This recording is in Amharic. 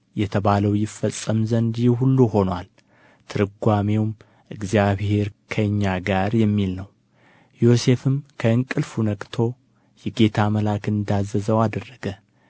የተባለው ይፈጸም ዘንድ ይህ ሁሉ ሆኖአል ትርጓሜውም እግዚአብሔር ከእኛ ጋር የሚል ነው ዮሴፍም ከእንቅልፉ ነቅቶ የጌታ መልአክ እንዳዘዘው አደረገ